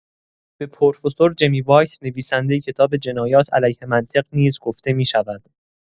به پروفسور جمی وایت، نویسندۀ کتاب جنایت علیه منطق نیز گفته می‌شود.